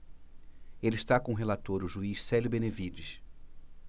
ele está com o relator o juiz célio benevides